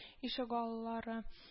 Ишегаллары